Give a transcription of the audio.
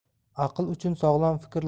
aql uchun sog'lom fikr